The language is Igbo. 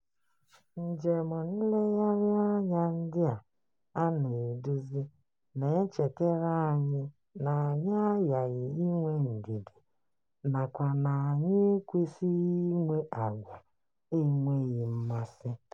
Njem nlegharị anya ndị a a na-eduzi na-echetara anyị na anyị aghaghị inwe ndidi nakwa na anyị ekwesịghị inwe àgwà enweghị mmasị.